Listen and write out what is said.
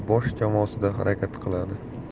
va bosh jamoasida harakat qiladi